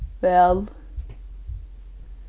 væl